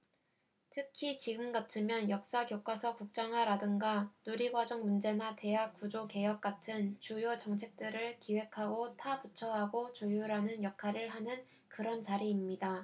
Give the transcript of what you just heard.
특히 지금 같으면 역사교과서 국정화라든가 누리과정 문제나 대학 구조개혁 같은 주요 정책들을 기획하고 타 부처하고 조율하는 역할을 하는 그런 자리입니다